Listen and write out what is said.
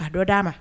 Ka dɔ d'a ma